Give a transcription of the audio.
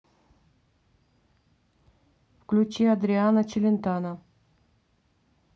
включи адриано челентано